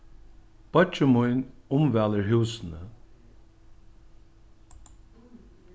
beiggi mín umvælir húsini